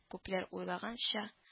Күпләр уйлаганча